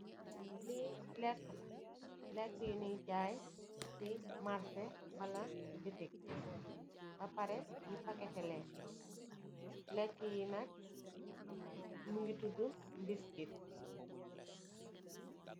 Lii leekë la, leekë bu ñuy jàày si bitic Wala si marse, bë pare, ñu paketeleen. Leekë yi nak, mu ngi tuud mbiskit